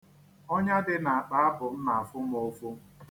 Ọnya dị na akpaabụ m na-afụ m ụfụ.